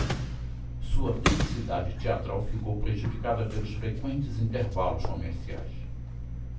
sua densidade teatral ficou prejudicada pelos frequentes intervalos comerciais